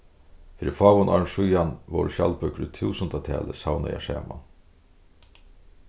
fyri fáum árum síðan vóru skjaldbøkur í túsundatali savnaðar saman